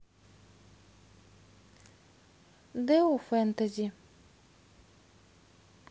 дуэ фентези